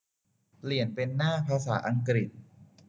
เปลี่ยนเป็นหน้าภาษาอังกฤษ